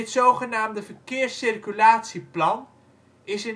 zogenaamde verkeerscirculatieplan is